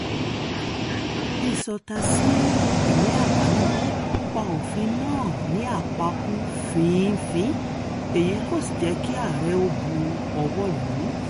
Ìsọtasí ìwé àbá náà pa òfin náà ní àpakú finínfinfín — èyí kò sì jẹ́ kí ààrẹ ó bu ọwọ́ lù ú.